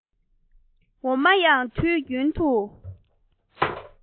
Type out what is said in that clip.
འོ མ ཡང དུས རྒྱུན དུ